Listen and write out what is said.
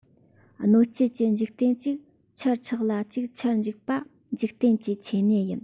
སྣོད བཅུད ཀྱི འཇིག རྟེན ཅིག ཅར ཆགས ལ ཅིག ཅར འཇིག པ རྟེན འབྲེལ གྱི ཆོས ཉིད ཡིན